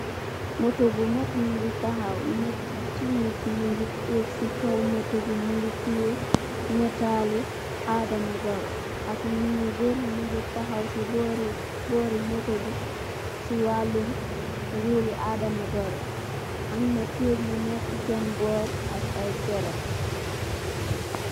Motor bu mak munge takhaw nyetti nit nyunge takhaw si Motor bi teyeh netali adama barrow nit nyu barih nyunge takhaw su buri motor bi amna keyet ak garap yu nekah sen burr